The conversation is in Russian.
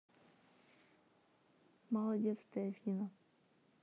молодец ты афина